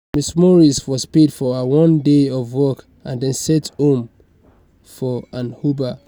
Ms. Maurice was paid for her one day of work and then sent home for an Uber.